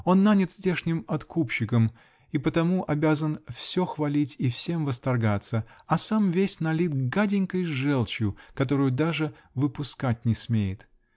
Он нанят здешним откупщиком и потому обязан все хвалить и всем восторгаться, а сам весь налит гаденькой желчью, которую даже выпускать не смеет.